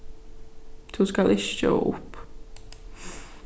tú skalt ikki geva upp